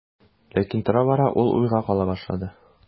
Ләкин тора-бара ул уйга кала башлады.